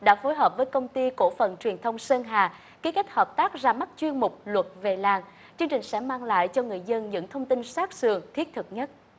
đã phối hợp với công ty cổ phần truyền thông sơn hà ký kết hợp tác ra mắt chuyên mục luật về làng chương trình sẽ mang lại cho người dân những thông tin sát sườn thiết thực nhất